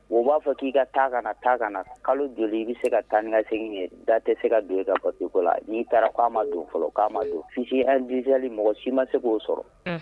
O b'a fɔ k'i ka taa ka na ta ka na kalo joli i bɛ se ka taa ni ka segingin ye da tɛ se ka don i ka pako la n'i taara k'a ma don fɔlɔ k'a ma don sisi mizli mɔgɔ si ma se k' oo sɔrɔ